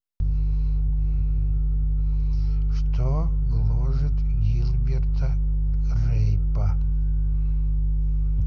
что гложет гилберта грейпа